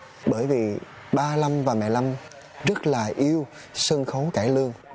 bởi vì ba lâm và mẹ lâm rất là yêu sân khấu cải lương